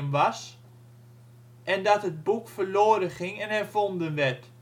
was, en dat het boek verloren ging en hervonden werd